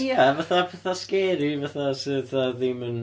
Ia fatha petha scary, fatha sydd fatha ddim yn...